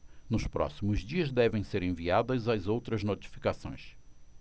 nos próximos dias devem ser enviadas as outras notificações